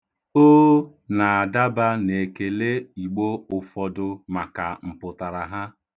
"Oo" na-adaba n'ekele Igbo ụfọdụ maka mpụtara ha.